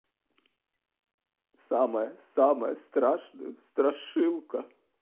самая самая страшная страшилка